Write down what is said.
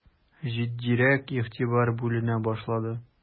Җитдирәк игътибар бүленә башлады.